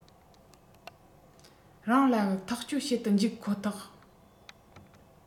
རང ལ ཐག གཅོད བྱེད དུ འཇུག ཀོ ཐག